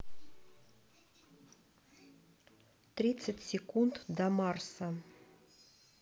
тридцать секунд до марса